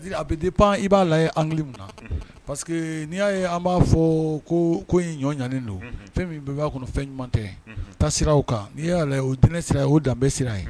A bɛ dépend i b'a lajɛ angle min na, unhun, parce que n'i y'a ye an b'a fɔ ko ko in ɲɔ ɲɛnen don, unhun, fɛn min bɛ bɔ a kɔnɔ fɛn ɲuman tɛ, unhun, taasiraw kan, n'i y'a lajɛ o ye diinɛ sira o ye danbe sira ye